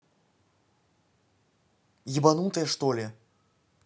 ебанутая что ли